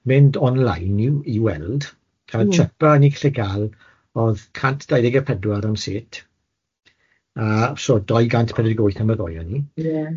mynd online i i weld a chepa o'n i'n gallu ga'l o'dd cant dau ddeg a pedwar am set a so dou gant pedwar deg wyth am y ddoe o'n i... Ie....